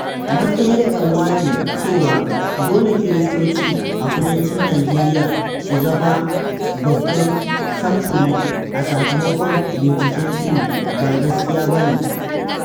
Matsayar Nwanze cewa, dole Kiristoci a Kudancin Nijeriya su zama babban samfuri a sakamakon binciken Pew ba gaskiya ba ne.